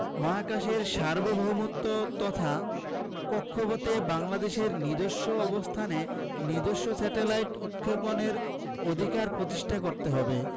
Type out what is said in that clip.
মহাকাশের সার্বভৌমত্ব তথা কক্ষপথে বাংলাদেশের নিজস্ব অবস্থানে নিজস্ব স্যাটেলাইট উৎক্ষেপণের অধিকার প্রতিষ্ঠা করতে হবে